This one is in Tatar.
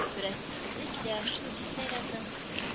– бераз төтене килә, шул җитмәгәнме